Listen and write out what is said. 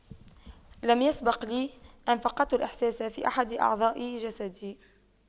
لم يسبق لي أن فقدت الإحساس في أحد اعضاء جسدي